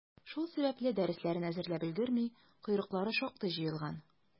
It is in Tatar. Шул сәбәпле, дәресләрен әзерләп өлгерми, «койрыклары» шактый җыелган.